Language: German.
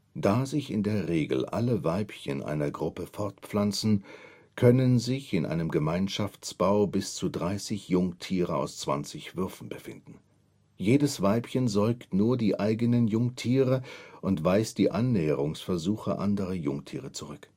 Da sich in der Regel alle Weibchen einer Gruppe fortpflanzen, können sich in einem Gemeinschaftsbau bis zu 30 Jungtiere aus 20 Würfen befinden. Jedes Weibchen säugt nur die eigenen Jungtiere und weist die Annäherungsversuche anderer Jungtiere zurück